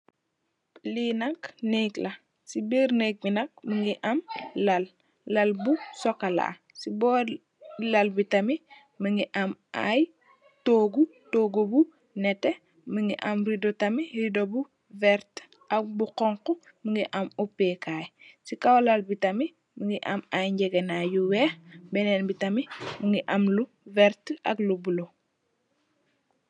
Li nak neek la, ci birr neek bi nak mungi am lal bu sokola. Ci bori lal bi tamid mungi am ay toguh, toguh bu nete mungi am riddo tamit, riddo bu werta ak bu xonx mu am opee kai. Ci kaw lal bi tamit mungi am ay ngegenai yu weex, benen bi tamit bu vert ak bu bulo.